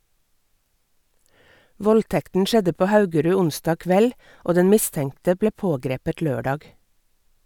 Voldtekten skjedde på Haugerud onsdag kveld, og den mistenkte ble pågrepet lørdag.